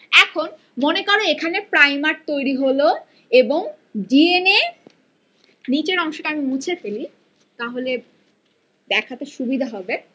এখন মনে করে এখানে প্রাইমার তৈরি হল এবং নিচের অংশটা আমি মুছে ফেলি তাহলে দেখাতে সুবিধা হবে